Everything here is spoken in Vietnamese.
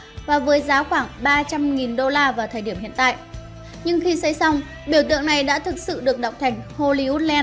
và với giá khoảng đô la vào thời điểm hiện tại những khi xây xong biểu tượng này đã thực sự được đọc thành hollywoodland